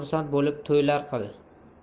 xursand bo'lib to'ylar qil